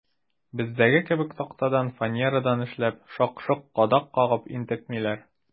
Бездәге кебек тактадан, фанерадан эшләп, шак-шок кадак кагып интекмиләр.